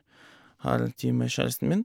Har tid med kjæresten min.